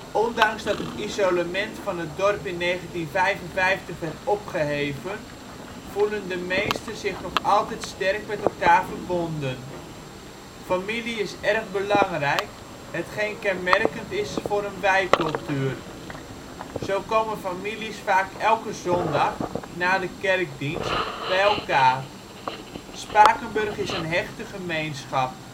Ondanks dat het isolement van het dorp in 1955 werd opgeheven, voelen de mensen zich nog altijd sterk met elkaar verbonden. Familie is erg belangrijk, hetgeen kenmerkend is voor een wij-cultuur. Zo komen families vaak elke zondag, na de kerkdienst, bij elkaar. Spakenburg is een hechte gemeenschap